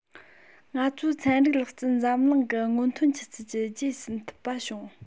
ང ཚོའི ཚན རིག ལག རྩལ འཛམ གླིང གི སྔོན ཐོན ཆུ ཚད ཀྱི རྗེས ཟིན ཐུབ པ བྱུང